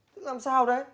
làm sao đấy